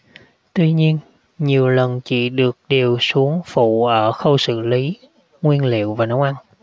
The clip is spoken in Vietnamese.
tuy nhiên nhiều lần chị được điều xuống phụ ở khâu xử lý nguyên liệu và nấu ăn